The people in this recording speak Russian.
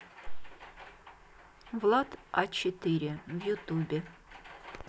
влад а четыре в ютубе